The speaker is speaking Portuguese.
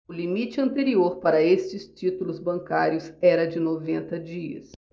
o limite anterior para estes títulos bancários era de noventa dias